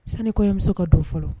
San kɔmuso ka don fɔlɔ